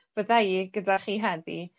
fydda i gyda chi heddi.